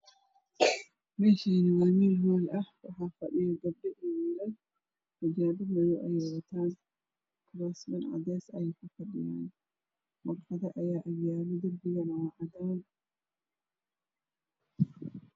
Meeshaan waa meel hool ah waxaa fadhiyo gabdho iyo wiilal. Gabdhuhu xijaabo madow ayay wataan kuraasman cadeys ah ayay ku fadhiyaan warqado ayaa agyaalo darbiga waa cadaan.